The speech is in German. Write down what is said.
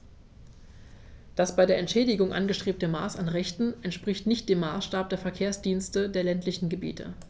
Das bei der Entschädigung angestrebte Maß an Rechten entspricht nicht dem Maßstab der Verkehrsdienste der ländlichen Gebiete.